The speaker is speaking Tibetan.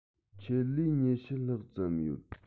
ཆེད ལས ༢༠ ལྷག ཙམ ཡོད